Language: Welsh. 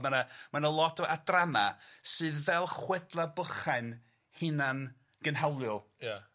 Ma' na ma' na lot o adrana sydd fel chwedla bychain hunan gynhaliol. Ia.